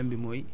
yëpp a baax